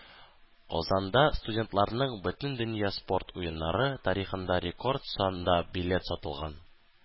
Казанда студентларның Бөтендөнья спорт Уеннары тарихында рекорд санда билет сатылган.